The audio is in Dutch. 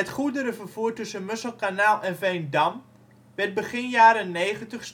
goederenvervoer tussen Musselkanaal en Veendam werd begin jaren negentig